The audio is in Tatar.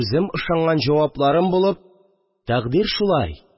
Үзем ышанган җавапларым булып : "тәкъдир шулай